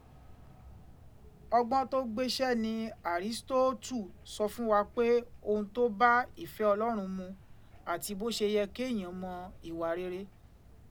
Ọgbọ́n tó gbéṣẹ́ ni Àrísítóótù sọ fún wa pé ohun tó bá ìfẹ́ Ọlọ́run mu àti bó ṣe yẹ kéèyàn mọ ìwà rere.